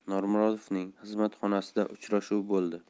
normurodovning xizmat xonasida uchrashuv bo'ldi